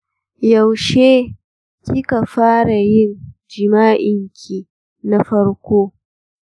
yaushe kaki fara yin jima’in ki na farko?